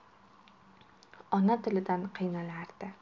ona tilidan qiynalardi